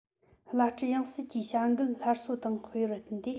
བླ སྤྲུལ ཡང སྲིད ཀྱི བྱ འགུལ སླར གསོ དང སྤེལ བར བསྟུན ཏེ